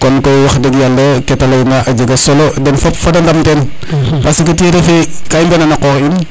kon koy wax deg yala kete leyna a jega solo den fop fada ndam ten parce que tiye refe ka i mbiya nana qox in